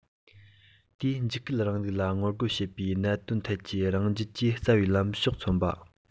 དེས འཇིགས སྐུལ རིང ལུགས ལ ངོ རྒོལ བྱེད པའི གནད དོན ཐད ཀྱི རང རྒྱལ གྱི རྩ བའི ལངས ཕྱོགས མཚོན པ